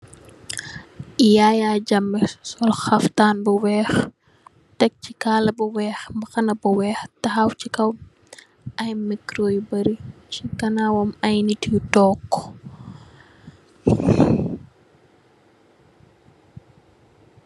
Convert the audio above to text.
Yaya Jammeh sol haftaan bu weeh, tekk chi kaala bu weeh, mbahana bu weeh tahaw ci kaw ay micoro yu buorri ci gannawam ay nit yu toog.